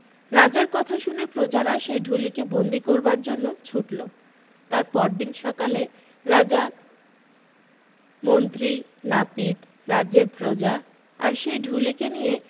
রাজার কথা শুনে প্রজারা সেই ঢুলিকে বন্দী করবার জন্যে ছুটল তার পরদিন সকালে রাজা মন্ত্রী নাপিত রাজ্যের প্রজা আর সেই ঢুলিকে নিয়ে